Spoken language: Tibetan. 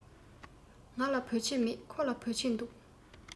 ང ལ བོད ཆས མེད ཁོ ལ བོད ཆས འདུག